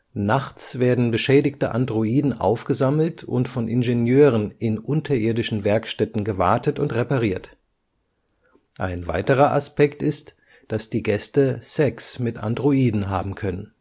Nachts werden beschädigte Androiden aufgesammelt und von Ingenieuren in unterirdischen Werkstätten gewartet und repariert. Ein weiterer Aspekt ist, dass die Gäste Sex mit Androiden haben können